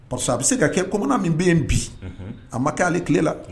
parceque a be se ka kɛ commandant min be yen bi a ma kɛ ale kile la.